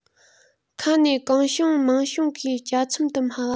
ཁ ནས གང བྱུང མང བྱུང གིས གྱ ཚོམ དུ སྨྲ བ